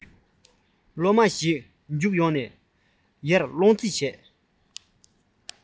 སློབ བུ ཞིག བརྒྱུགས ཡོང ཡར སློང རྩིས བྱས མོད